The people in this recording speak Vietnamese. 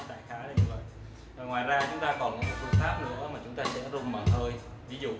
đại khái là như vậy ngoài ra chúng ta còn có có một phương pháp nữa là chúng ta sẽ rung bằng hơi